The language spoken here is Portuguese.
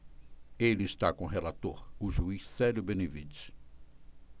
ele está com o relator o juiz célio benevides